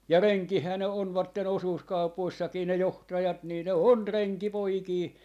ja renkejähän ne ovat osuuskaupoissakin ne johtajat niin ne on renkipoikia